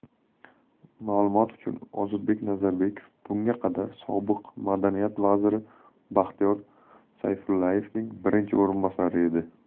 ma'lumot uchun ozodbek nazarbekov bunga qadar sobiq madaniyat vaziri baxtiyor sayfullayevning birinchi o'rinbosari edi